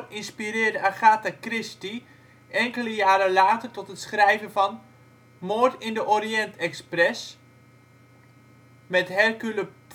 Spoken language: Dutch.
inspireerde Agatha Christie enkele jaren later tot het schrijven van Moord in de Orient Express, met Hercule